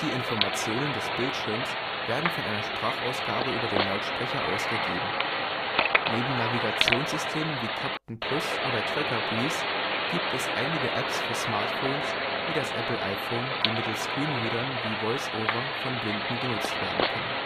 Informationen des Bildschirms werden von einer Sprachausgabe über den Lautsprecher ausgegeben. Neben Navigationssystemen wie Kapten Plus oder Trekker Breeze gibt es einige Apps für Smartphones wie das Apple iPhone, die mittels Screenreadern wie VoiceOver von Blinden genutzt werden können